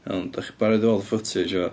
Iawn. Dach chi'n barod i weld y footage yma?